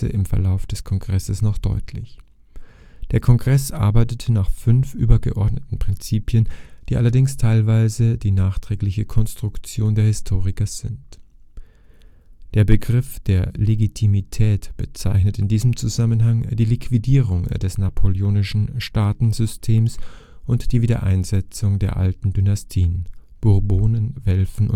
im Verlauf des Kongresses noch deutlich. Der Kongress arbeitete nach fünf übergeordneten Prinzipien, die allerdings teilweise die nachträgliche Konstruktion der Historiker sind. Der Begriff der Legitimität bezeichnet in diesem Zusammenhang die Liquidierung des napoleonischen Staatensystems und die Wiedereinsetzung der alten Dynastien (Bourbonen, Welfen